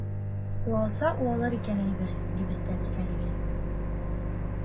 Уалса уалыр икән әйбер, - дип өстәде Сәрия.